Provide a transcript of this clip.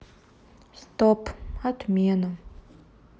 стоп отмена